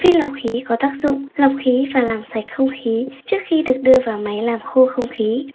phin lọc khí có tác dụng lọc khí và làm sạch không khí trước khi được đưa vào máy làm khô không khí